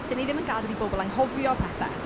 Dan ni ddim yn gadael i bobl anghofio pethau.